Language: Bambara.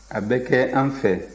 a bɛ kɛ an fɛ